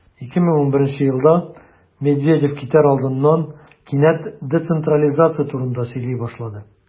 2011 елда медведев китәр алдыннан кинәт децентрализация турында сөйли башлады.